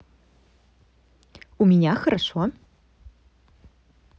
у меня хорошо